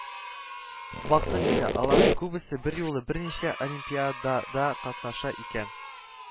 Бактың исә, аларның күбесе берьюлы берничә олимпиада да катнаша икән